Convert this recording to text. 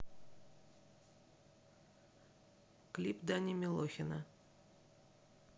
клип дани милохина